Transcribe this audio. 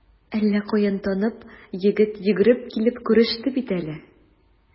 Әллә каян танып, егет йөгереп килеп күреште бит әле.